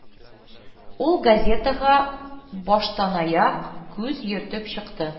Ул газетага баштанаяк күз йөртеп чыкты